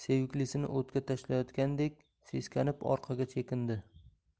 seviklisini o'tga tashlayotgandek seskanib orqaga chekindi